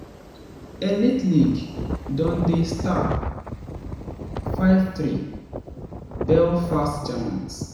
Elite League: Dundee Stars 5-3 Belfast Giants